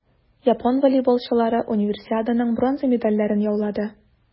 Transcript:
Япон волейболчылары Универсиаданың бронза медальләрен яулады.